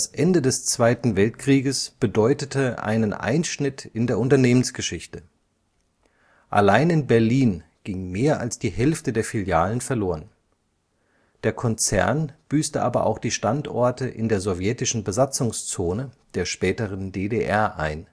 Ende des Zweiten Weltkrieges bedeutete einen Einschnitt in der Unternehmensgeschichte. Allein in Berlin ging mehr als die Hälfte der Filialen verloren. Der Konzern büßte aber auch die Standorte in der sowjetischen Besatzungszone, der späteren DDR, ein